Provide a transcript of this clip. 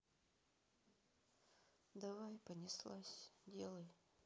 давай понеслась делай